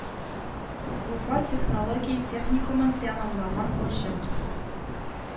Уфа технология техникумын тәмамлаган ачык